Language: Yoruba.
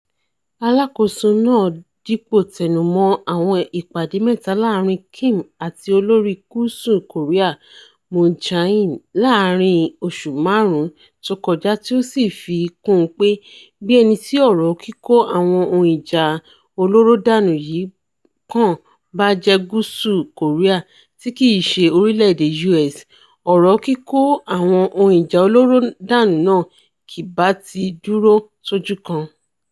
Aláàkóso náà dípò tẹnumọ́ àwọn ìpàdé mẹ́ta láàrin Kim àti olóri Gúúsù Kòríà Moon Jae-in láàrin oṣù máàrún tókọjá tí ó sì fi kún uń pé: Bí ẹniti ọ̀rọ̀ kíkó àwọn ohun ìjà olóró dànù yìí kàn bájẹ̵́ Gúúsù Kòríà tí kìí ṣe orílẹ̀-èdè U.S., ọ̀rọ̀ kíkó àwọn ohun ìjà olóró dànù náà kì bátí dúró sójú kan.